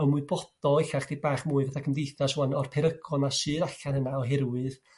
ymwybodol e'lla' 'ch'dig bach mwy fath a cymdeithas 'wan o'r perygla' 'ma sudd allan yna oherwydd